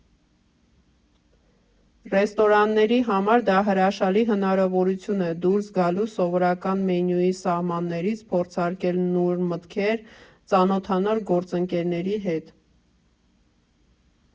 Ռեստորանների համար դա հրաշալի հնարավորություն է դուրս գալու սովորական մենյուի սահմաններից, փորձարկել նոր մտքեր, ծանոթանալ գործընկերների հետ։